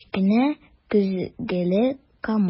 Кечкенә көзгеле комод.